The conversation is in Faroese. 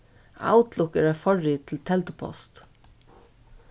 outlook er eitt forrit til teldupost